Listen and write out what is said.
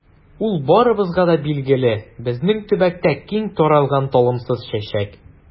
Ул барыбызга да билгеле, безнең төбәктә киң таралган талымсыз чәчәк.